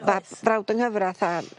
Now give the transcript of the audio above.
barth- brawd yng ngyfrath a